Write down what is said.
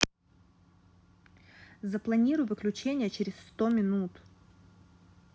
запланируй выключение через сто минут